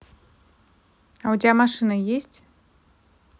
а у тебя машина есть